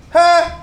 H